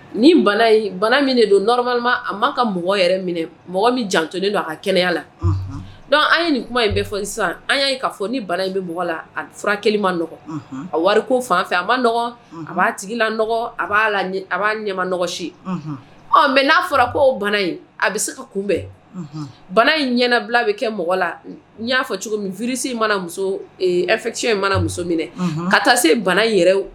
Ni in bana min de don a ma ka mɔgɔ yɛrɛ minɛ mɔgɔ min jan tonen don a ka kɛnɛyaya la dɔnku an ye nin kuma in bɛɛ fɔ sisan an y'a fɔ ni bana in bɛ mɔgɔ la a fura ma nɔgɔ a wari ko fanfɛ a' a b'a tigi la nɔgɔ a b'a a b'a ɲɛma nɔgɔ si ɔ bɛ n'a fɔra ko bana in a bɛ se ka kunbɛn bana in ɲɛnabila bɛ kɛ mɔgɔ la n y'a fɔ cogo min fisi manafɛti in mana muso minɛ ka taa se bana in yɛrɛ